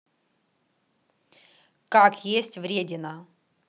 как есть вредина